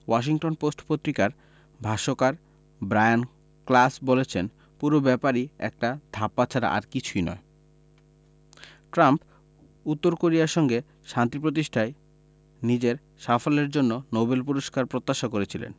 Washington Post পত্রিকার ভাষ্যকার Brian Klaas বলেছেন পুরো ব্যাপারই একটা ধাপ্পা ছাড়া আর কিছু নয় ট্রাম্প উত্তর কোরিয়ার সঙ্গে শান্তি প্রতিষ্ঠায় নিজের সাফল্যের জন্য নোবেল পুরস্কার প্রত্যাশা করেছিলেন